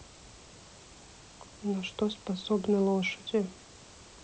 на что способны лошади